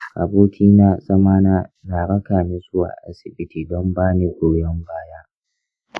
abokina zamana na raka ni zuwa asibiti don bani goyon baya.